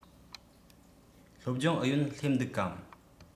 སློབ སྦྱོང ཨུ ཡོན སླེབས འདུག གམ